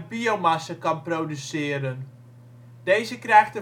biomassa kan produceren; deze krijgt